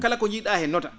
kala ko njii?aa heen notaa